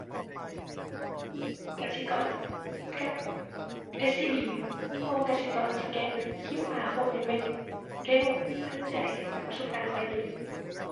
กสิกรกับ SCB เพราะว่ากสิกรสแกน QR code ได้แม่น เร็ว ทันใจ จากประสบการณ์ข้อยเอง